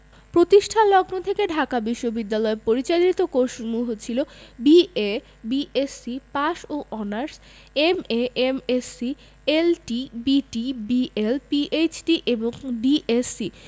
প্রতিষ্ঠালগ্ন থেকে ঢাকা বিশ্ববিদ্যালয় পরিচালিত কোর্সসমূহ ছিল বি.এ বি.এসসি পাস ও honours M A M Sc L T B T B L PhD এবং ডিএস.সি